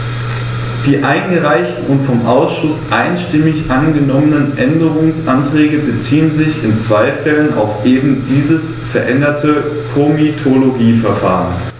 Die eingereichten und vom Ausschuss einstimmig angenommenen Änderungsanträge beziehen sich in zwei Fällen auf eben dieses veränderte Komitologieverfahren.